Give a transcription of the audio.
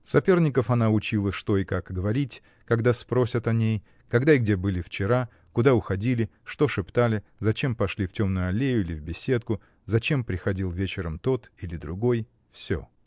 Соперников она учила, что и как говорить, когда спросят о ней, когда и где были вчера, куда уходили, что шептали, зачем пошли в темную аллею или в беседку, зачем приходил вечером тот или другой — всё.